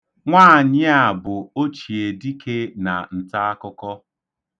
Nwaanyị a bụ ochiedike na ntaakukọ.